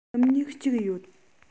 སྣུམ སྨྱུག གཅིག ཡོད